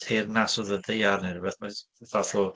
Teyrnas wrth y ddaear neu rywbeth. Mae jyst fath o...